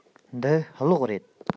འདི གློག རེད